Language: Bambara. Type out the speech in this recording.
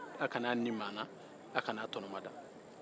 a kan'a nin maa na a kan'a tɔnɔmada